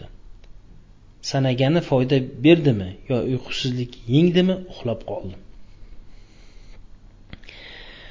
sanagani foyda berdimi yo uyqusizlik yengdimi uxlab koldi